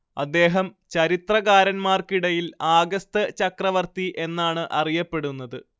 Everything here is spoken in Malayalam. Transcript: അദ്ദേഹം ചരിത്രകാരന്മാർക്കിടയിൽ ആഗസ്ത് ചക്രവർത്തി എന്നാണ് അറിയപ്പെടുന്നത്